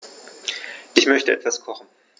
Ich möchte etwas kochen.